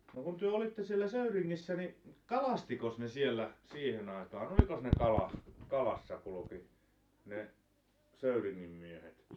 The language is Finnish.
no kun te olitte siellä Söyringissä niin kalastiko ne siellä siihen aikaan oliko ne - kalassa kulki ne Söyringin miehet